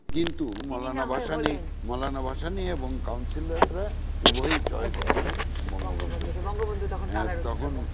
কিন্তু মওলানা ভাসানী মওলানা ভাসানী এবং কাউন্সিলররা উভয়ই চয়েজ করলেন বঙ্গবন্ধুকে বঙ্গবন্ধু তখন কারারুদ্ধ তখন